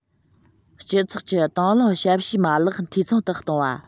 སྤྱི ཚོགས ཀྱི དང བླངས ཞབས ཞུའི མ ལག འཐུས ཚང དུ གཏོང བ